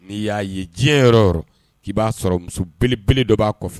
N'i y'a ye diɲɛyɔrɔ yɔrɔ k'i b'a sɔrɔ muso belebele dɔ b'a kɔfɛ